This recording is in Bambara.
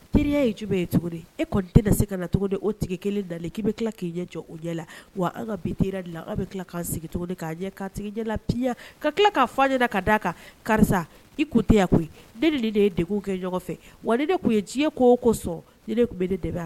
Teriya ye ju cogo e kɔni tɛ se ka cogo o tigi kelen dalen k'i bɛ tila k'i ɲɛ jɔ o ɲɛ la wa aw ka bi teri dilan la aw bɛ tila sigi cogo k'a ɲɛ kaya ka tila ka fajɛ la ka d' a kan karisa i tɛya koyi de ye de kɛ ɲɔgɔn fɛ wa de tun ye nci ye ko kosɔn ne de tun bɛ de